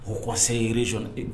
O conseil régional